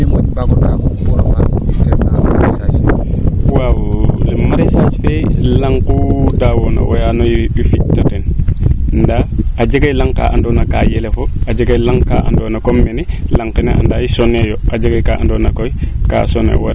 waw maraichage fee laŋ kuu dawoona warqqno fito ten nda a jegaa laŋ kaa ando naa ka yelefoo a jega laŋ kaa ando na koy comme nene laŋ kene andaa ye sone yo a jega kaa ando na koy kaa sono yo